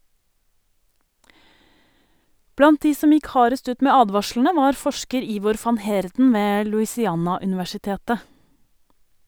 Blant de som gikk hardest ut med advarslene var forsker Ivor van Heerden ved Louisiana-universitetet.